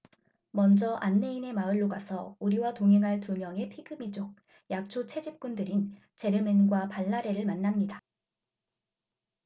먼저 안내인의 마을로 가서 우리와 동행할 두 명의 피그미족 약초 채집꾼들인 제르멘과 발라레를 만납니다